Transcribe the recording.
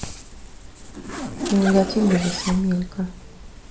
негативный лес амелька